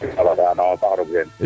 *